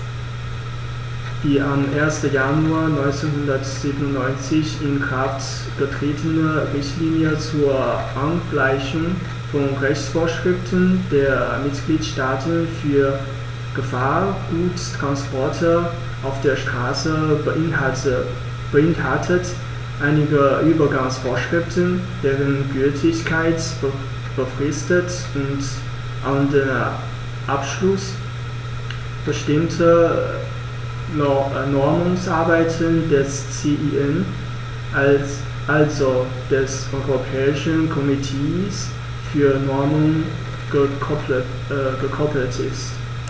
Die am 1. Januar 1997 in Kraft getretene Richtlinie zur Angleichung von Rechtsvorschriften der Mitgliedstaaten für Gefahrguttransporte auf der Straße beinhaltet einige Übergangsvorschriften, deren Gültigkeit befristet und an den Abschluss bestimmter Normungsarbeiten des CEN, also des Europäischen Komitees für Normung, gekoppelt ist.